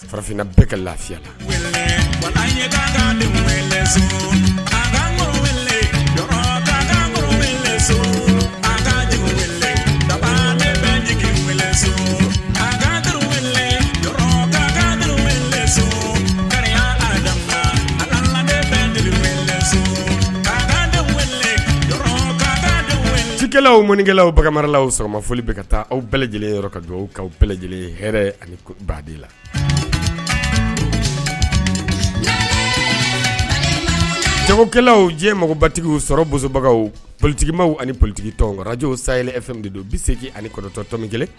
Farafinna bɛka ka lafiyalakɛlaw minnukɛlawlalaw sɔrɔmaoli bɛ ka taa aw bɛɛ lajɛlen ka aw bɛɛ lajɛlen hɛrɛɛrɛ ani badi la jagokɛlaw diɲɛ mago batigi sɔrɔ bobaga politigibaw ani politigi tɔn araj sayf de don bɛ se ani kɔrɔtɔtɔmi kelen